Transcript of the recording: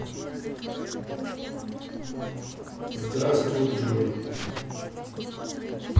здравствуй джой